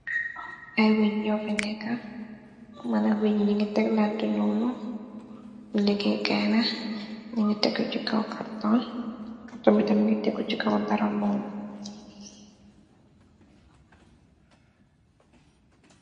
Ay weñ ñoofe neeka mëna weji ni ngi teg dante nuunu bu liggéey kayna ni ngi tekku ci kaw karton gurtomitam ngi tekku ci kawa daran nuunu.